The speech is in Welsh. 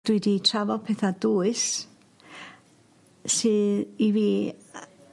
Dwi 'di trafod petha dwys sy i fi yy